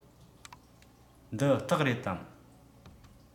འདི སྟག རེད དམ